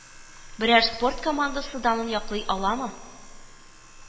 Берәр спорт командасы данын яклый аламы